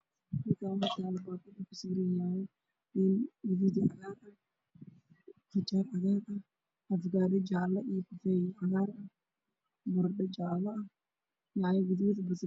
Waa qudaar liin cambe saytuunka timirta